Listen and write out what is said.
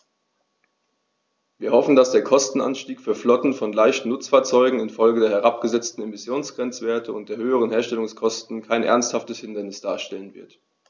Wir hoffen, dass der Kostenanstieg für Flotten von leichten Nutzfahrzeugen in Folge der herabgesetzten Emissionsgrenzwerte und der höheren Herstellungskosten kein ernsthaftes Hindernis darstellen wird.